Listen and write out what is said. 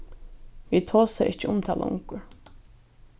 vit tosa ikki um tað longur